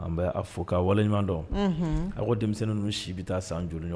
An bɛ a fo k'a waleɲuman don, unhun, a ka denmisɛni ninnu si bɛ taa san joli